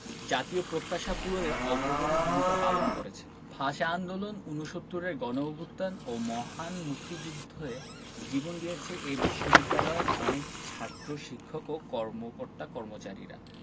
জাতীয় প্রত্যাশা পূরণে অগ্রণী ভূমিকা পালন করেছে ভাষা আন্দোলন উনসত্তুরের গণঅভ্যুত্থান ও মহান মুক্তিযুদ্ধে জীবন দিয়েছেন এ বিশ্ববিদ্যালয়ের অনেক ছাত্র শিক্ষক ও কর্মকর্তা কর্মচারী